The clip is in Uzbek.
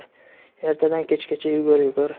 ertadan kechgacha yugur yugur